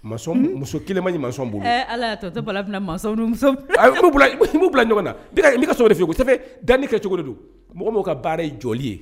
Muso kelen ma ma alatɔ balafin masa bila ɲɔgɔn na bɛ ka so kofe danni kɛ cogo don mɔgɔ' ka baara ye jɔli ye